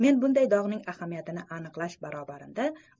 men bunday dog'ning ahamiyatini aniqlash barobarinda